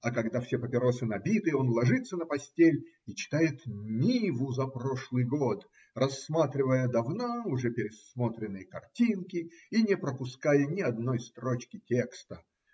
А когда все папиросы набиты, он ложится на постель и читает "Ниву" за прошлый год, рассматривая давно уже пересмотренные картинки и не пропуская ни одной строчки текста.